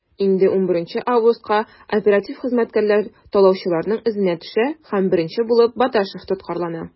Инде 11 августка оператив хезмәткәрләр талаучыларның эзенә төшә һәм беренче булып Баташев тоткарлана.